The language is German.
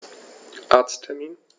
Arzttermin